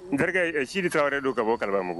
N terikɛ sidi ta wɛrɛ don ka bɔ kala mun